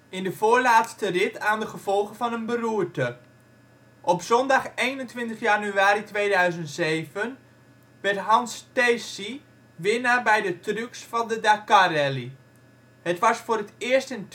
in de voorlaatste rit aan de gevolgen van een beroerte. Op zondag 21 januari 2007 werd Hans Stacey winnaar bij de trucks van de Dakar-rally. Het was voor het eerst in